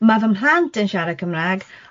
Ma' fy mhlant yn siarad Cymraeg.